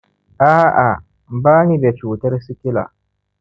a'a, ba ni da cutar sikila